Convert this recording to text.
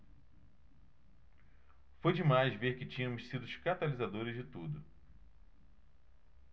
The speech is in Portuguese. foi demais ver que tínhamos sido os catalisadores de tudo